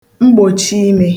mgbòchime